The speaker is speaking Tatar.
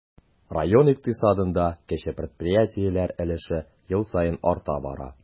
Район икътисадында кече предприятиеләр өлеше ел саен арта бара.